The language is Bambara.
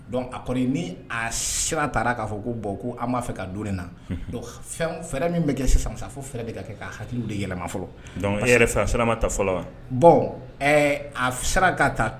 A ni don na min bɛ kɛ sisan masa foɛrɛ de ka kɛ ka hakili de yɛlɛma fɔlɔ sirama fɔlɔ bɔn a ka ta